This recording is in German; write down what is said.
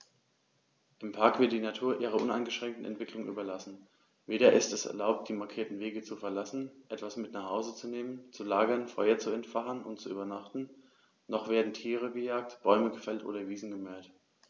Im Park wird die Natur ihrer uneingeschränkten Entwicklung überlassen; weder ist es erlaubt, die markierten Wege zu verlassen, etwas mit nach Hause zu nehmen, zu lagern, Feuer zu entfachen und zu übernachten, noch werden Tiere gejagt, Bäume gefällt oder Wiesen gemäht.